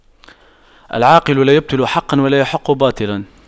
العاقل لا يبطل حقا ولا يحق باطلا